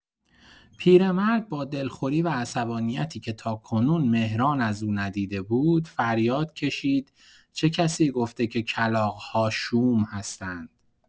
پیرمرد با دلخوری و عصبانیتی که تاکنون مهران از او ندیده بود، فریاد کشید: «چه کسی گفته که کلاغ‌ها شوم هستند؟!»